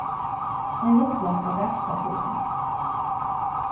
ein rulla av bakipappíri